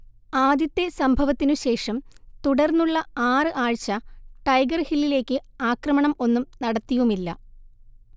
ആദ്യത്തെ സംഭവത്തിനു ശേഷം തുടർന്നുള്ള ആറ് ആഴ്ച ടൈഗർ ഹില്ലിലേക്ക് ആക്രമണം ഒന്നും നടത്തിയുമില്ല